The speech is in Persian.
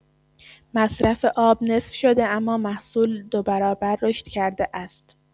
مصرف آب نصف شده اما محصول دو برابر رشد کرده است.